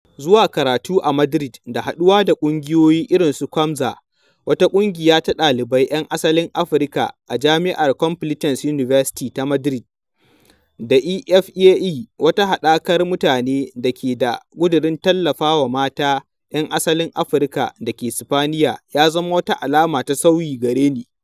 Zuwa karatu a Madrid da haɗuwa da ƙungiyoyi irin su Kwanzza [wata ƙungiya ta ɗalibai 'yan asalin Afrika na jami'ar Complitense University ta Madari] da E.F.A.E [wata haɗakar mutane da ke da ƙidurin tallafawa mata 'yan asalin Afrika dake Sipaniya] ya zama wata alama ta sauyi gare ni.